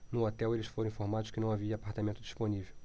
no hotel eles foram informados que não havia apartamento disponível